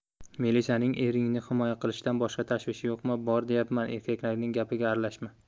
milisaning eringni himoya qilishdan boshqa tashvishi yo'qmi bor deyapman erkaklarning gapiga sen aralashma